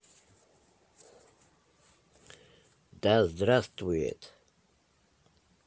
да здравствует